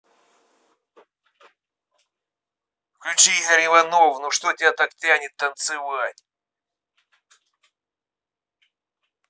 включи игорь иванов ну что тебя так тянет танцевать